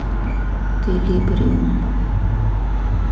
ты либриум